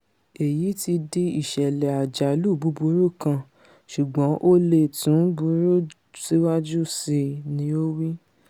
Èyí ti di ìṣẹ̀lẹ̀ àjálù buburú kan, ṣùgbọ́n o leè tún burú síwájú síi,'' ni o wí.